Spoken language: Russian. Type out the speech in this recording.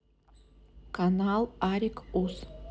канал ариг ус